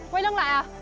quay lưng lại ạ